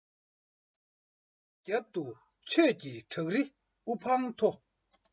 རྒྱབ ཏུ ཆོས ཀྱི བྲག རི དབུ འཕང མཐོ